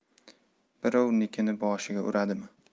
birovnikini boshiga uradimi